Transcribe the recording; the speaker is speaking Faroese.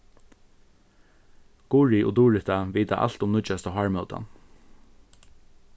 guðrið og durita vita alt um nýggjasta hármótan